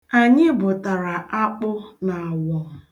Anyị bụtara akpụ na awọm.